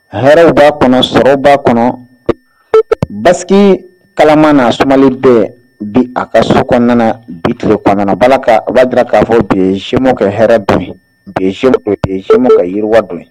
Hɛrɛw b'a kɔnɔ ,sɔrɔ b'a kɔnɔ, basigi kalaman na sumanen bɛɛ bi a ka sokɔnɔna bi tile kɔnɔna , o b'a jira k'a fɔ bi Gémeaux ka hɛrɛ don don, bi ye gémeaux ka yiriwa don.